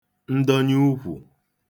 ndọnye ukwù